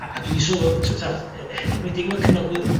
a... a dwi 'di syl- t'wod enwedig efo cyfnod bly-